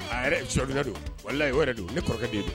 A suina don wala yɛrɛ don ne kɔrɔkɛ den don